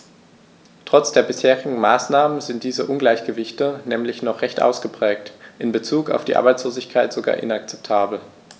Trotz der bisherigen Maßnahmen sind diese Ungleichgewichte nämlich noch recht ausgeprägt, in bezug auf die Arbeitslosigkeit sogar inakzeptabel.